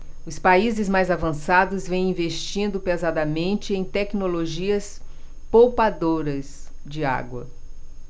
os países mais avançados vêm investindo pesadamente em tecnologias poupadoras de água